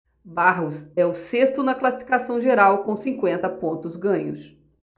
barros é o sexto na classificação geral com cinquenta pontos ganhos